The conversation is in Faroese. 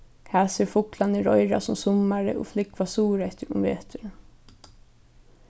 hasir fuglarnir reiðrast um summarið og flúgva suðureftir um veturin